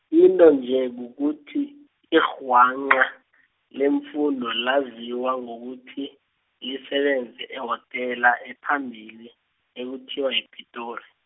into nje kukuthi, irhwanqa, leemfundo laziwa ngokuthi, lisebenza ehotela ephambili, ekuthiwa yiPitori.